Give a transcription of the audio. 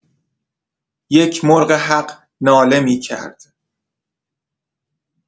یک مرغ‌حق ناله می‌کرد.